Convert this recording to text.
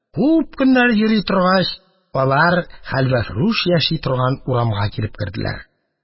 Күп көннәр йөри торгач, алар хәлвәфрүш яши торган урамга килеп керделәр.